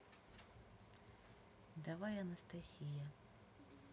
давай анастасия